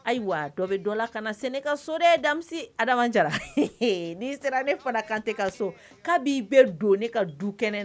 Ayiwa dɔ bɛ dɔ la ka na se ne ka sore da adama jara ni sera ne fana kan tɛ ka so' bi bɛ don ne ka du kɛnɛ na